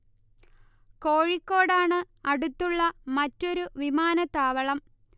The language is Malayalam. കോഴിക്കോട് ആണ് അടുത്തുള്ള മറ്റൊരു വിമാനത്താവളം